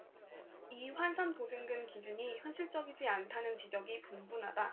이 환산보증금 기준이 현실적이지 않다는 지적이 분분하다